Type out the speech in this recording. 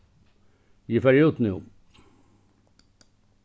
eg fari út nú